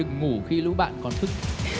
đừng ngủ khi lũ bạn còn thức